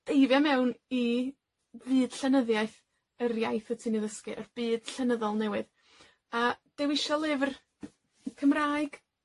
Eifia mewn i fyd llenyddiaeth yr iaith wt ti'n 'i ddysgu, y byd llenyddol newydd, a dewisa lyfr Cymraeg.